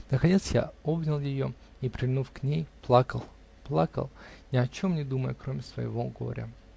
Наконец я обнял ее и, прильнув к ней, плакал, плакал, ни о чем не думая, кроме своего горя.